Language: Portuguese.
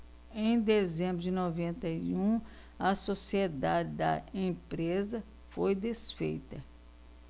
em dezembro de noventa e um a sociedade da empresa foi desfeita